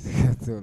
Ha